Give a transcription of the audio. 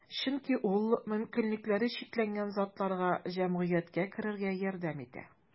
Чөнки ул мөмкинлекләре чикләнгән затларга җәмгыятькә керергә ярдәм итә.